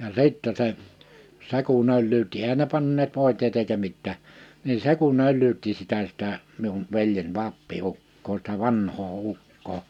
ja sitten se se kun öllyytti eihän ne panneet voiteita eikä mitään niin se kun öllyytti sitä sitä minun veljen appiukkoa sitä vanhaa ukkoa